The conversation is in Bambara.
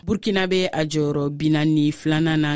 burkina bɛ a jɔyɔrɔ 42nan na